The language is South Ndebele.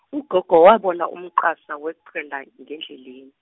ugogo wabona umqasa weqela, ngendleleni.